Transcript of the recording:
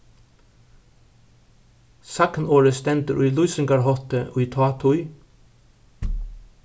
sagnorðið stendur í lýsingarhátti í tátíð